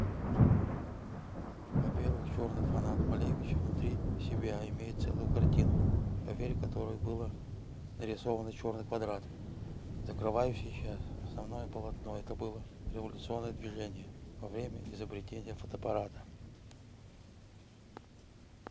во первых черный фанат малевича внутри себя имеют целую картину поверь которой было нарисовано черный квадрат закрываю сейчас основное полотно это было революционное движение во время изобретения фотоаппарата